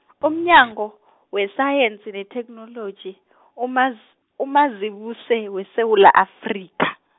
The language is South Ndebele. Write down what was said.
umnyango, wesayensi netheknoloji, umaz- uMazibuse weSewula Afrika.